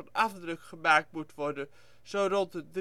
afdruk gemaakt moet worden zo rond de